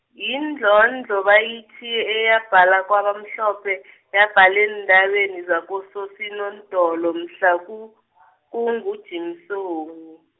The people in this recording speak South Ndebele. yindlondlo bayitjhiye eyabhala kwabamhlophe , yabhala eentabeni zakoSoSinodolo mhlaku- , kunguJimsoni.